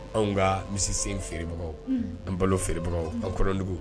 Anw ka misisen feerebagaw an balo feerebagaw anw kɔnɔ du